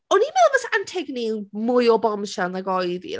O'n i'n meddwl o'n i'n meddwl fyse Antigone yn mwy o bombshell nag oedd hi.